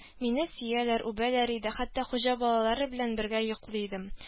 Мине сөяләр, үбәләр иде, хәтта хуҗа балалары белән бергә йоклый идем